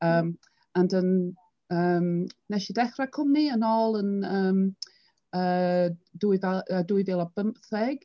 Yym and yn yym... wnes i dechrau'r cwmni yn ôl yn yym yy dwy fa- yy dwy fil a bymtheg.